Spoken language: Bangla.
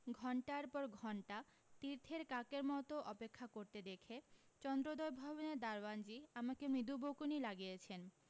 ঘন্টার পর ঘণ্টা তীর্থের কাকের মতো অপেক্ষা করতে দেখে চন্দ্রোদয় ভবনের দারোয়ানজী আমাকে মৃদু বকুনি লাগিয়েছেন